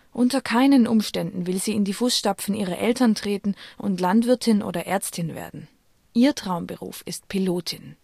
Unter keinen Umständen will sie in die Fußstapfen ihrer Eltern treten und Landwirtin oder Ärztin werden. Ihr Traumberuf ist Pilotin